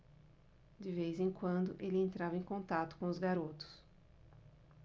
de vez em quando ele entrava em contato com os garotos